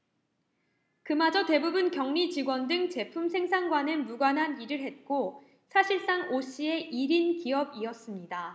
그마저 대부분 경리직원 등 제품 생산과는 무관한 일을 했고 사실상 오 씨의 일 인 기업이었습니다